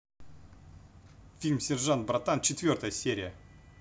фильм сержант братан четвертая серия